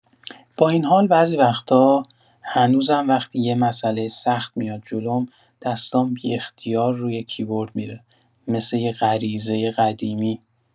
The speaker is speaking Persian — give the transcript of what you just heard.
با این حال، بعضی وقتا هنوزم وقتی یه مساله سخت میاد جلوم، دستام بی‌اختیار روی کیبورد می‌ره، مثل یه غریزۀ قدیمی.